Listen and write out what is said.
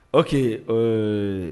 Ɔ que ɛɛ